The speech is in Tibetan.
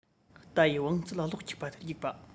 རྟ ཡི བང རྩལ གློག འཁྱུག པ ལྟར རྒྱུག པ